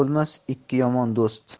bo'lmas ikki yomon do'st